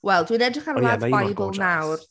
Wel, dwi’n edrych ar LADbible nawr .